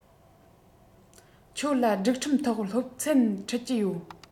ཁྱོད ལ སྒྲིག ཁྲིམས ཐོག སློབ ཚན ཁྲིད ཀྱི ཡོད